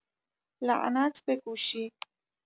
لعنت به گوشی